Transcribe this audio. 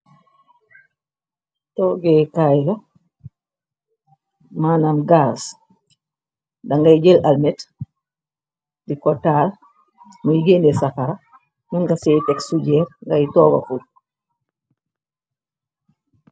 Toogekaay la, maanam gaaz, dangay jël almet di kotaal muy genne safara, num nga sey teg sujeer ngay tooga fuf.